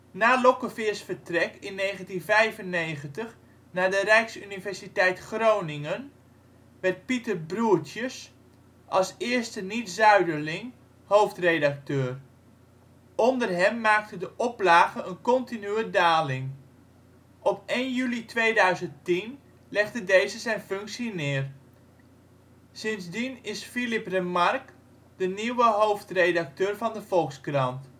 Na Lockefeers vertrek in 1995 naar de Rijksuniversiteit Groningen werd Pieter Broertjes - als eerste niet-zuiderling - hoofdredacteur. Onder hem maakte de oplage een continue daling. Op 1 juli 2010 legde deze zijn functie neer. Sindsdien is Philippe Remarque de nieuwe hoofdredacteur van de Volkskrant